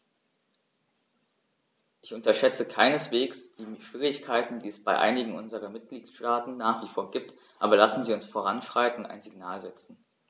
Ich unterschätze keineswegs die Schwierigkeiten, die es bei einigen unserer Mitgliedstaaten nach wie vor gibt, aber lassen Sie uns voranschreiten und ein Signal setzen.